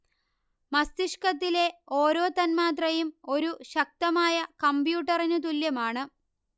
മസ്തിഷ്കത്തിലെ ഓരോ തന്മാത്രയും ഒരു ശക്തമായ കമ്പ്യൂട്ടറിനു തുല്യമാണ്